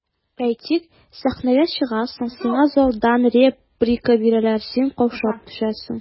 Әйтик, сәхнәгә чыгасың, сиңа залдан реплика бирәләр, син каушап төшәсең.